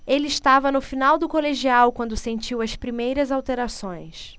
ele estava no final do colegial quando sentiu as primeiras alterações